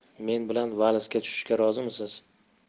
men bilan valsga tushishga rozimisiz